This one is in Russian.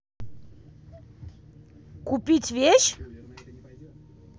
купить вещи